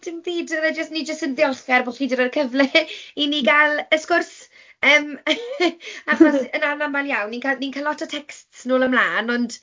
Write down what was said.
Dim byd, ni jyst ni jyst yn ddiolchgar bod chi 'di rhoi'r cyfle i ni gael y sgwrs yym , achos yn anamal iawn... ni'n cael ni'n cael lot o texts nôl ymlaen ond...